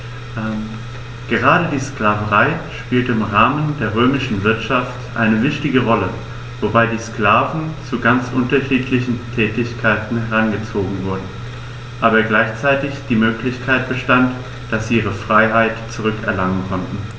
Gerade die Sklaverei spielte im Rahmen der römischen Wirtschaft eine wichtige Rolle, wobei die Sklaven zu ganz unterschiedlichen Tätigkeiten herangezogen wurden, aber gleichzeitig die Möglichkeit bestand, dass sie ihre Freiheit zurück erlangen konnten.